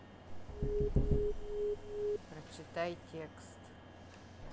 прочитай текст